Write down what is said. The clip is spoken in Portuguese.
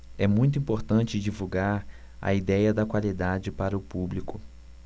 é muito importante divulgar a idéia da qualidade para o público